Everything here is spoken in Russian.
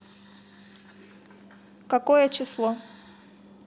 какое число